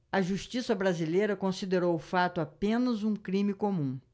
a justiça brasileira considerou o fato apenas um crime comum